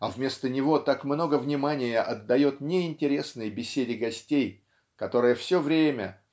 а вместо него так много внимания отдает неинтересной беседе гостей которая все время